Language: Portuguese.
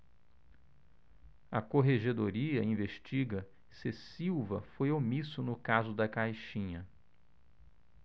a corregedoria investiga se silva foi omisso no caso da caixinha